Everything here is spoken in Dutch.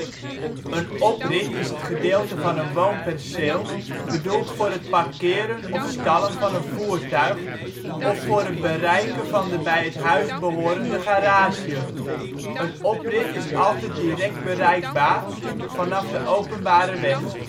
oprit is het gedeelte van een woonperceel bedoeld voor het parkeren of stallen van een voertuig, of voor het bereiken van de bij het huis behorende garage. Een oprit is altijd direct bereikbaar vanaf de openbare weg